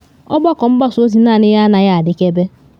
Ọgbakọ mgbasa ozi naanị ya anaghị adịkebe.